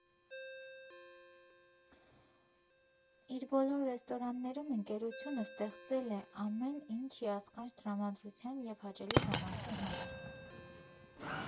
Իր բոլոր ռեստորաններում ընկերությունը ստեղծել է ամեն ինչ հիասքանչ տրամադրության և հաճելի ժամանցի համար։